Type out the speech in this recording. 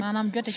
maanaam jote si